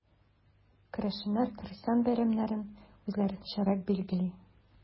Керәшеннәр христиан бәйрәмнәрен үзләренчәрәк билгели.